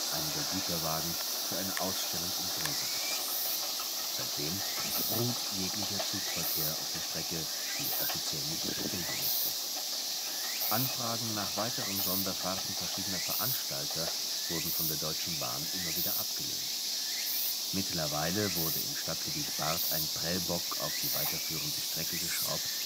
einige Güterwagen für eine Ausstellung in Bresewitz überführt wurden. Seitdem ruht jeglicher Zugverkehr auf diesem Streckenabschnitt, der aber offiziell nicht stillgelegt ist. Anfragen nach Sonderfahrten verschiedener Veranstalter wurden vom damaligen Netzbetreiber, der Deutschen Bahn immer wieder abgelehnt. Mittlerweile wurde im Stadtgebiet Barth ein Prellbock auf die weiterführende Strecke geschraubt